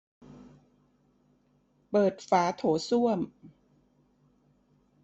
เปิดฝาโถส้วม